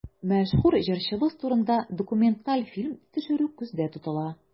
Мәшһүр җырчыбыз турында документаль фильм төшерү күздә тотыла.